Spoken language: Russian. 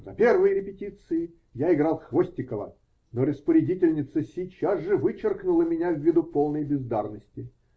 На первой репетиции я играл Хвостикова, но распорядительница сейчас же вычеркнула меня ввиду полной бездарности.